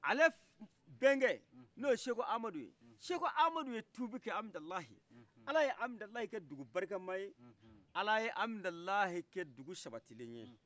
ale bɛnkɛ n'oye seku amaduye seku amadu ye tubikai amidalayi alaye amidalayi kɛ dugu barikamaye alaye amidalayi kɛ dugu sabatilenye